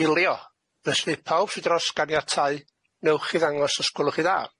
eilio felly pawb sy dros ganiatáu newch i ddangos os gwelwch chi dda.